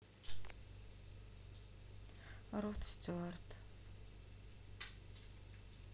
род стюарт